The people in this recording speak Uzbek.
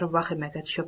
vahimaga tushib